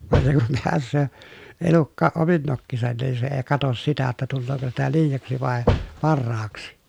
vaan se kun pääsee elukkakin omin nokkinensa niin se ei katso sitä että tuleeko sitä liiaksi vai parhaaksi